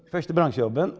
første bransjejobben.